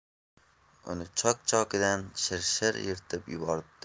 uni chok chokidan shir shir yirtib yubordi